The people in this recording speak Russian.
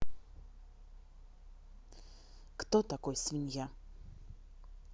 кто такой свинья